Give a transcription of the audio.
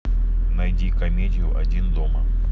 найди комедию один дома